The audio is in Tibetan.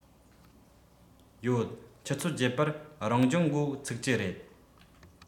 ཡོད ཆུ ཚོད བརྒྱད པར རང སྦྱོང འགོ ཚུགས ཀྱི རེད